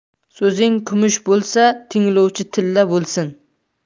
so'zing kumush bo'lsa tinglovchi tilla bo'lsin